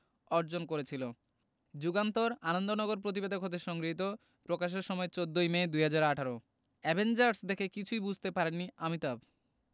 অর্জন করেছিল যুগান্তর এর আনন্দনগর প্রতিবেদক হতে সংগৃহীত প্রকাশের সময় ১৪ই মে ২০১৮ অ্যাভেঞ্জার্স দেখে কিছুই বুঝতে পারেননি আমিতাভ